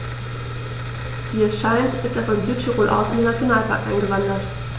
Wie es scheint, ist er von Südtirol aus in den Nationalpark eingewandert.